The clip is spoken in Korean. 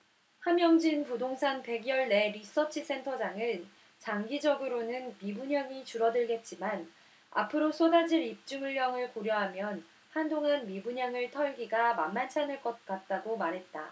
함영진 부동산 백 열 네 리서치센터장은 장기적으로는 미분양이 줄어들겠지만 앞으로 쏟아질 입주물량을 고려하면 한동안 미분양을 털기가 만만찮을 것 같다고 말했다